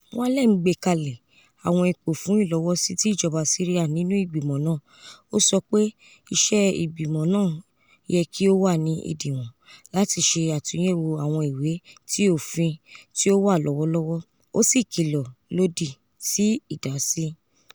Moualem gbekalẹ awọn ipo fun ilọwọsi ti ijọba Siria nínú igbimọ naa, o sọ pe iṣẹ igbimọ naa yẹ ki o wa ni idiwọn "lati ṣe atunyẹwo awọn iwe ti ofin ti o wa lọwọlọwọ," o si kilo lodi si idasi.